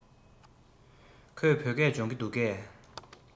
ཁོས བོད སྐད སྦྱོང གི འདུག གས